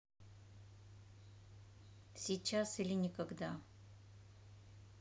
сейчас или никогда